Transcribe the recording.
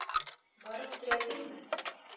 Барып терәлдеңме?